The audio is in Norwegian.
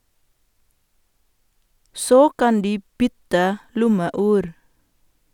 Så kan de bytte lommeur.